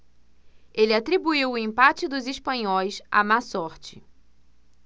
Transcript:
ele atribuiu o empate dos espanhóis à má sorte